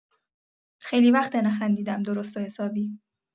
خیلی وقته نخندیدم درست و حسابی